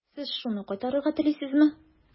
Сез шуны кайтарырга телисезме?